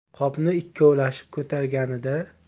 qopni ikkovlashib ko'targanida